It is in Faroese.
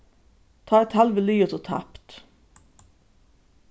tá er talvið liðugt og tapt